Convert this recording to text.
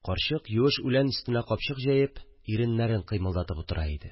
Карчык юеш үлән өстенә капчык җәеп иреннәрен кыймылдатып утыра иде